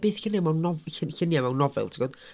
Byth lluniau mewn nof- ll- lluniau mewn nofel ti'n gwybod?